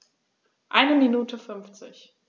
Eine Minute 50